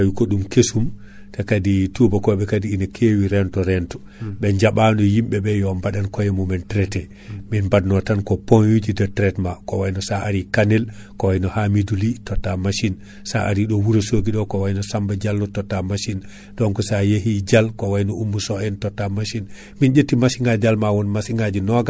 eyyi caggal nde jaɓɓiɗen kanko Aboubacry Kane namdal men garwanigal koko wokiti hande o e oɗo produit biyateɗo Aprostar Aprostar non holliti joni joni ina tawe ɗon ɗo établissement Kane et, fils kono non, ko holɗum e holto tawete kaadi banggue goɗɗo ko wona ɗon tan Aboubacry Kane